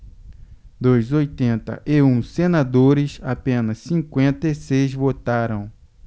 dos oitenta e um senadores apenas cinquenta e seis votaram